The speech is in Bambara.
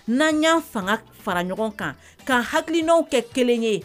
N'an y' fanga fara ɲɔgɔn kan ka hakili n' kɛ kelen ye